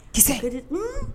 Kisɛ, ko di, hunn